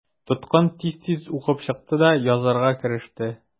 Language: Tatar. Тоткын тиз-тиз укып чыкты да язарга кереште.